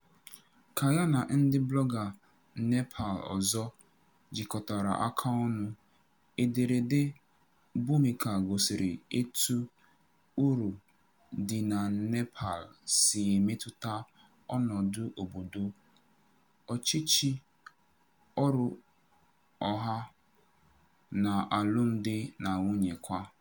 Ka ya na ndị blọga Nepal ọzọ jikọtara aka ọnụ, ederede Bhumika gosiri etu ụrụ dị na Nepal si emetụta ọnọdụ obodo, ọchịchị, ọrụ ọha, na alụmdi na nwunye kwa.